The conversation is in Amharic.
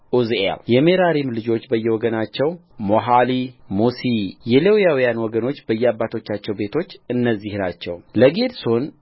ዑዝኤልየሜራሪም ልጆች በየወገናቸው ሞሖሊ ሙሲ የሌዋውያን ወገኖች በየአባቶቻቸው ቤቶች እነዚህ ናቸውለጌድሶን